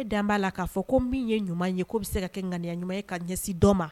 Ne da b'a la k'a fɔ ko min ye ɲuman ye ko bɛ se ka kɛ ŋaniya ɲuman ye ka ɲɛsin dɔ ma